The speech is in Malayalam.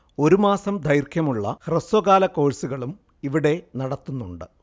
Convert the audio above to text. ഒരു മാസം ദൈർഘ്യമുള്ള ഹ്രസ്വകാല കോഴ്സുകളും ഇവിടെ നടത്തുന്നുണ്ട്